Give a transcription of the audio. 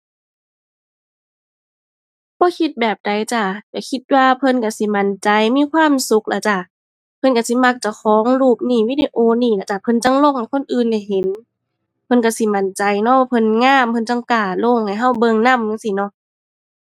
บ่คิดแบบใดจ้า ก็คิดว่าเพิ่นก็สิมั่นใจ มีความสุขแหละจ้า เพิ่นก็สิมักเจ้าของรูปนี้ วิดีโอนี้ล่ะจ้า เพิ่นจั่งลงให้คนอื่นได้เห็น เพิ่นก็สิมั่นใจเนาะว่าเพิ่นงาม เพิ่นจั่งกล้าลงให้ก็เบิ่งนำจั่งซี้เนาะ